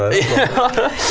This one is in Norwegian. ja.